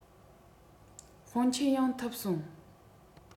དཔོན ཆེན ཡང ཐུབ སོང